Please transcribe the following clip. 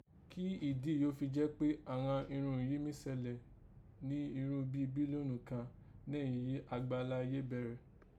Kí ìdí yìí ó fi jẹ́ kpé àghan irun yìí mí sẹlẹ̀ ni irun bí bílíọ́nù kàn nẹ̀yìn yìí àgbáálá ayé bẹ̀rẹ̀